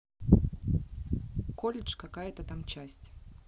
колледж какая то там часть